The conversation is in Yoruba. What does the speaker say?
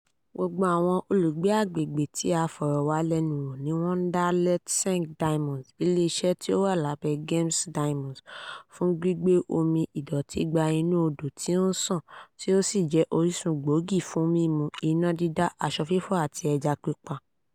Gbogbo àwọn olùgbé àgbègbè tí a fọ̀rọ̀wálẹ́nuwò ni wọ́n dá Letseng Diamonds - ilé iṣẹ́ tí ó wà lábẹ́ Gems Diamonds - fún gbígbé omi ìdọ̀tí gba inú Odò tí ó ń ṣàn tí ó jẹ́ orísun gbòógì fún mímu, iná dídá, aṣọ fífọ̀, àti ẹja pípa